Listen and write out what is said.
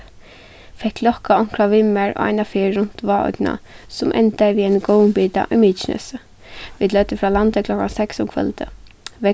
fekk lokkað onkran við mær á eina ferð runt vágoynna sum endaði við einum góðum bita í mykinesi vit løgdu frá landi klokkan seks um kvøldið